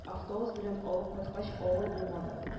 Автобус белән алып кайткач авыр булмады